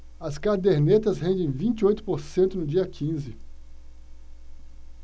as cadernetas rendem vinte e oito por cento no dia quinze